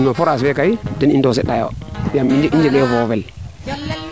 ndigil no forage fe kay ten i ndoose taayo yaam i njege foofo fel